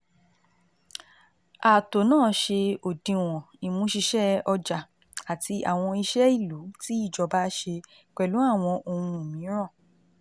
Ààtò náà ṣe òdiwọ̀n ìmúṣiṣẹ́ ọjà àti àwọn iṣẹ́ ìlú tí ìjọba ṣe, pẹ̀lú àwọn ohun mìíràn.